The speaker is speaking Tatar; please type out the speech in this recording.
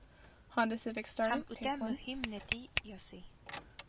Һәм үтә мөһим нәти ясый